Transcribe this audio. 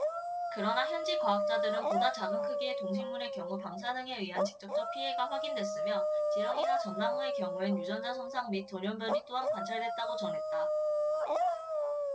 그러나 현지 과학자들은 보다 작은 크기의 동식물의 경우 방사능에 의한 직접적 피해가 확인됐으며 지렁이나 전나무의 경우엔 유전자 손상 및 돌연변이 또한 관찰됐다고 전했다